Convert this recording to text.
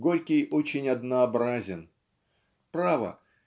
Горький очень однообразен. Право